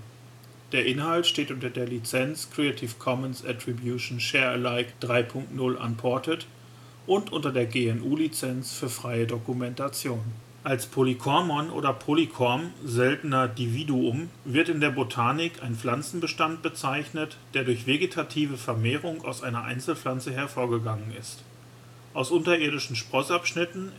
Der Inhalt steht unter der Lizenz Creative Commons Attribution Share Alike 3 Punkt 0 Unported und unter der GNU Lizenz für freie Dokumentation. Schilfrohr bildet durch vegetative Vermehrung ein Polykormon. Als Polykormon oder Polykorm, seltener Dividuum, wird in der Botanik ein Pflanzenbestand bezeichnet, der durch vegetative Vermehrung aus einer Einzelpflanze hervorgegangen ist: aus unterirdischen Sprossabschnitten